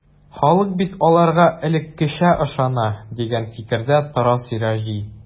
Халык бит аларга элеккечә ышана, дигән фикердә тора Сираҗи.